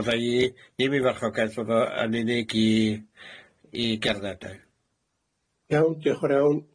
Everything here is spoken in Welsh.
fyddai i ddi'm i farchnogaeth fydd o yn unig i i gerdded de. Iawn diolch yn fawr iawn.